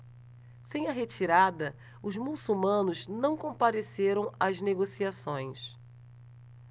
sem a retirada os muçulmanos não compareceram às negociações